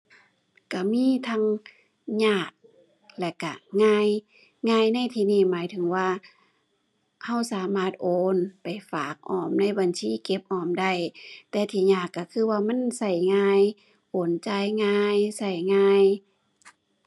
ก็มีทั้งยากและก็ง่าย ง่ายในที่นี่หมายถึงว่าก็สามารถโอนไปฝากออมในบัญชีเก็บออมได้ แต่ที่ยากก็คือว่ามันก็ง่าย โอนจ่ายง่าย ก็ง่าย